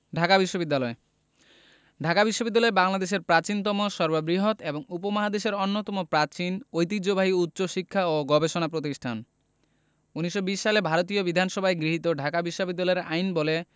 ঢাকা বিশ্ববিদ্যালয় ঢাকা বিশ্ববিদ্যালয় বাংলাদেশের প্রাচীনতম সর্ববৃহৎ এবং উপমহাদেশের অন্যতম প্রাচীন ঐতিহ্যবাহী উচ্চশিক্ষা ও গবেষণা প্রতিষ্ঠান ১৯২০ সালে ভারতীয় বিধানসভায় গৃহীত ঢাকা বিশ্ববিদ্যালয় আইনবলে